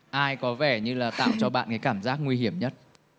ai có vẻ như là tạo cho bạn cái cảm giác nguy hiểm nhất